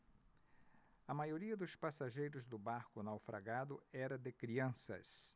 a maioria dos passageiros do barco naufragado era de crianças